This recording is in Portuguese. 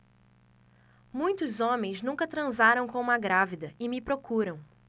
muitos homens nunca transaram com uma grávida e me procuram